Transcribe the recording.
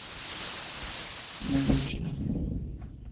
навечно